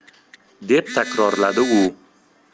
deb takrorladi u